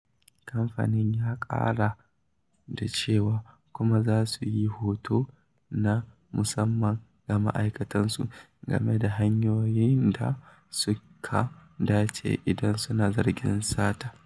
Kamfanin ya ƙara da cewa kuma za su yi horo na musamman ga ma'aikatansu game da hanyoyin da suka dace idan suna zargin sata.